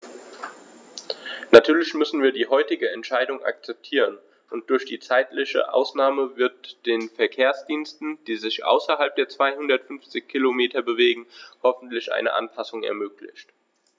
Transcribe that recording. Natürlich müssen wir die heutige Entscheidung akzeptieren, und durch die zeitliche Ausnahme wird den Verkehrsdiensten, die sich außerhalb der 250 Kilometer bewegen, hoffentlich eine Anpassung ermöglicht.